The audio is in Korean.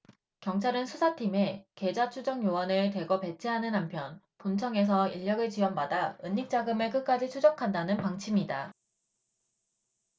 경찰은 수사팀에 계좌추적 요원을 대거 배치하는 한편 본청에서 인력을 지원받아 은닉 자금을 끝까지 추적한다는 방침이다